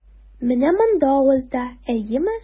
Менә монда авырта, әйеме?